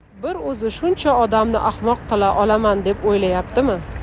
bir o'zi shuncha odamni ahmoq qila olaman deb o'ylayaptimi